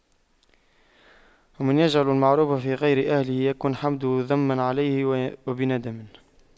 ومن يجعل المعروف في غير أهله يكن حمده ذما عليه ويندم